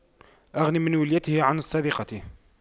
أغن من وليته عن السرقة